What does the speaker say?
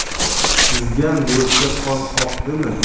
suzgan bo'lsa qon oqdimi